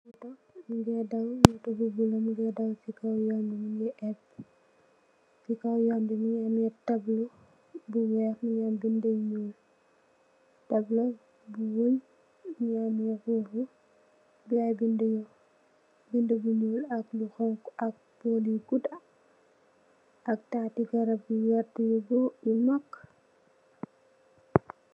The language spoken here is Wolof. Moto bu bulo mungeh daw ci kaw Yoon bi mingi ebb ci kaw Yoon bi mungi ameh tableu bu weex bu am bindeu yu nyool tableu bu nyool mungi ameh ay bindeu yu nyool ak yu xonxu ak poli guda ak tati garap yu mak